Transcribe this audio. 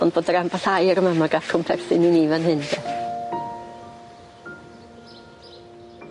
On' bod yr amball air yma mag acw perthyn i ni fan hyn de?